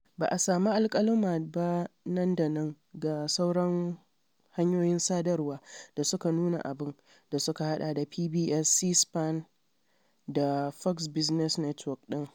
Ba a sami alƙaluma ba nan da nan ga sauran hanyoyin sadarwa da suka nuna abin, da suka haɗa da PBS, C-SPAN da Fox Business Network ɗin.